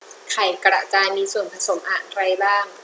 ไข่กระจายมีส่วนผสมอะไรบ้าง